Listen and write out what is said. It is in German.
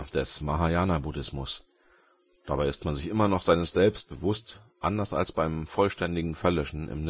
des Mahayana Buddhismus; dabei ist man sich immer noch seines Selbst bewusst, anders als beim vollständigen Verlöschen